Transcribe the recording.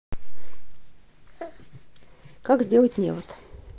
как сделать невод